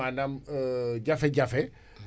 changement climatique ci wàllu maraichage